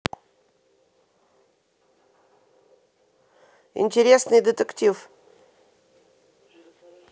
интересный детектив